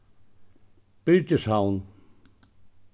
byrgishavn